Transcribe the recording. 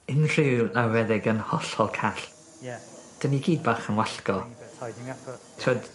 unrhyw lawfeddyg yn hollol call. 'Dan ni i gyd bach yn wallgo. T'wod?